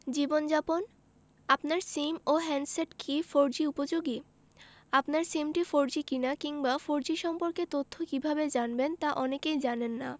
জীবনযাপন আপনার সিম ও হ্যান্ডসেট কি ফোরজি উপযোগী আপনার সিমটি ফোরজি কিনা কিংবা ফোরজি সম্পর্কে তথ্য কীভাবে জানবেন তা অনেকেই জানেন না